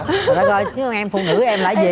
trời đất ơi chứ không em phụ nữ em là cái gì